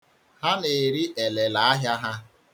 Ha na-eri elele ahịa ha.